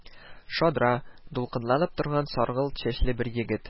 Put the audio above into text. Шадра, дулкынланып торган саргылт чәчле бер егет: